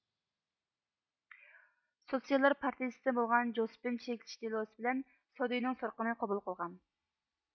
سوتسىياللار پارتىيىسىدىن بولغان جوسپىن چىرىكلىشىش دېلوسى بىلەن سودىيىنىڭ سورىقىنى قوبۇل قىلغان